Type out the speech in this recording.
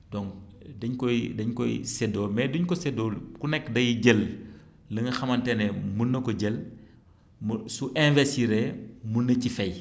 donc daén koy dañ koy séddoo mais du ñu ko séddoo ku nekk day jël li nga xamante ni mën na ko jël mu su investir mën na ci fay